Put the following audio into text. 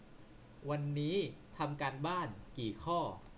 วันนี้ทำการบ้านกี่ข้อ